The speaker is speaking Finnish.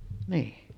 niin